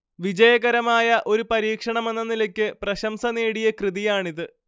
വിജയകരമായ ഒരു പരീക്ഷണമെന്ന നിലയ്ക്ക് പ്രശംസ നേടിയ കൃതിയാണിത്